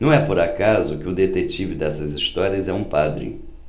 não é por acaso que o detetive dessas histórias é um padre